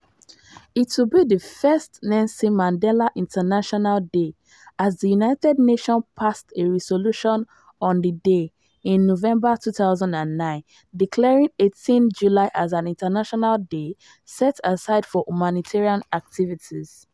It will be the first Nelson Mandela International Day, as the United Nations passed a resolution on the day in November 2009, declaring 18 July an international day set aside for humanitarian activities.